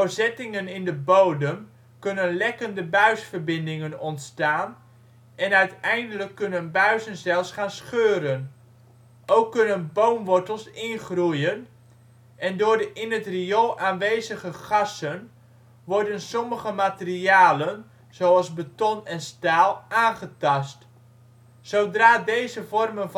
zettingen in de bodem kunnen lekkende buisverbindingen ontstaan, en uiteindelijk kunnen buizen zelfs gaan scheuren. Ook kunnen boomwortels ingroeien. En door de in het riool aanwezige gassen worden sommige materialen zoals beton en staal aangetast. Zodra deze vormen